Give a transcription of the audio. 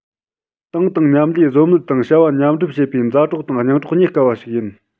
ཏང དང མཉམ ལས ཟོལ མེད དང བྱ བ མཉམ སྒྲུབ བྱེད པའི མཛའ གྲོགས དང སྙིང གྲོགས རྙེད དཀའ བ ཞིག ཡིན